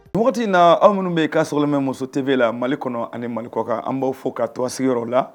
Wagati in na aw minnu bɛ yen k'a sɔgɔ Muso TY la Mali kɔnɔ ani Mali kɔ kan an b'a fɔ k'aw to aw sigiyɔrɔyɔrɔ la!